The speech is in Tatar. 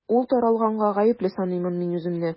Ул таралганга гаепле саныймын мин үземне.